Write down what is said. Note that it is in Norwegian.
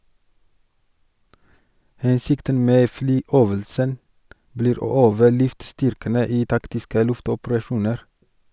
Hensikten med flyøvelsen blir å øve luftstyrkene i taktiske luftoperasjoner.